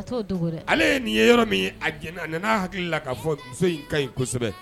Ale nin ye yɔrɔ min a a'a hakili k ka fɔ muso in ka kosɛbɛ